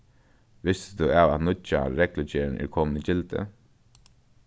visti tú av at nýggja reglugerðin er komin í gildi